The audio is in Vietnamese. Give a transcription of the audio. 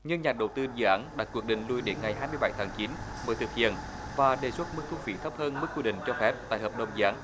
nhưng nhà đầu tư dự án đã quyết định lùi đến ngày hai mươi bảy tháng chín mới thực hiện và đề xuất mức thu phí thấp hơn mức quy định cho phép tại hợp đồng dự án